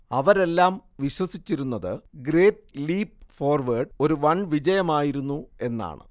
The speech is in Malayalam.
അവരെല്ലാം വിശ്വസിച്ചിരുന്നത് ഗ്രേറ്റ് ലീപ് ഫോർവേഡ് ഒരു വൻ വിജയമായിരുന്നു എന്നാണ്